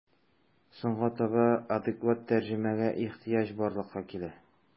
Соңга таба адекват тәрҗемәгә ихҗыяҗ барлыкка килә.